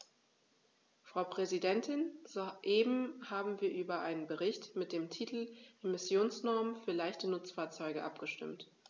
Frau Präsidentin, soeben haben wir über einen Bericht mit dem Titel "Emissionsnormen für leichte Nutzfahrzeuge" abgestimmt.